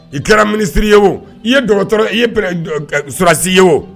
I kɛra minisiri ye o i ye dɔgɔtɔrɔ i ye ssi ye o